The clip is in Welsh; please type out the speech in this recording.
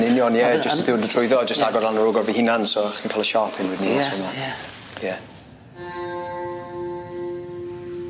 Yn union ie jyst y dŵr yn dod trwyddo a jyst agor lan yr ogor 'i hunan so chi'n ca'l y siâp hyn wedyn 'ny so...Ie ie. Ie.